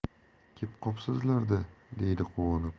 kep qopsizlar da deydi quvonib